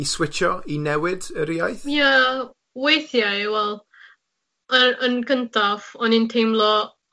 i switcho, i newid yr iaith? Ie weithiau, wel, yr yn gyntaf, o'n i'n teimlo